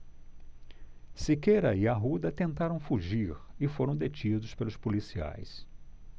siqueira e arruda tentaram fugir e foram detidos pelos policiais